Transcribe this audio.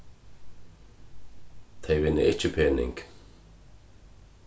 tey vinna ikki pening